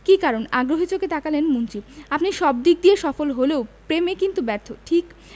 কী কারণ আগ্রহী চোখে তাকালেন মন্ত্রী আপনি সব দিক দিয়ে সফল হলেও প্রেমে কিন্তু ব্যর্থ ঠিক